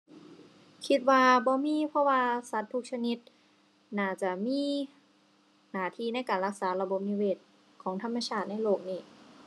คิดว่าบ่มี เพราะว่าสัตว์ทุกชนิด น่าจะมีหน้าที่ในการรักษาระบบนิเวศของธรรมชาติในโลกนี้